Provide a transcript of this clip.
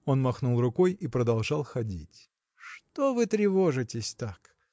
Он махнул рукой и продолжал ходить. – Что вы тревожитесь так?